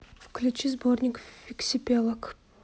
включи сборник фиксипелок